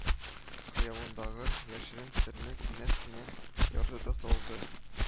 Хыялындагы яшерен серне кинәт кенә ярды да салды: